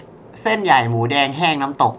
เส้นใหญ่หมูแดงแห้งน้ำตก